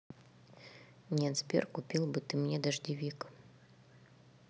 нет сбер купил бы ты мне дождевик